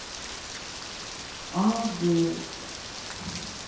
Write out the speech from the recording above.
а девять